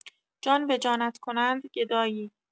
جان به جانت کنند گدایی.